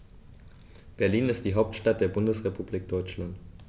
Berlin ist die Hauptstadt der Bundesrepublik Deutschland.